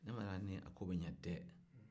ne ma d'a la ni a ko bɛ ɲɛn dɛ